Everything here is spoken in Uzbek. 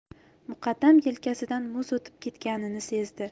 muqaddam yelkasidan muz o'tib ketganini sezdi